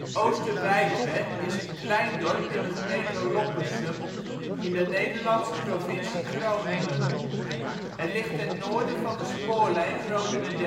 Oosterwiewerd) is een klein dorp in de gemeente Loppersum in de Nederlandse provincie Groningen. Het ligt ten noorden van de Spoorlijn Groningen